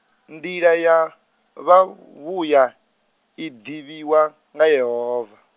nḓila ya, vha vhuya, iḓivhiwa nga Yehova.